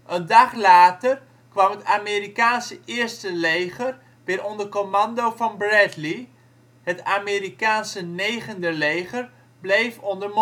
dag later kwam het Amerikaanse 1e leger weer onder commando van Bradley, het Amerikaanse 9e leger bleef onder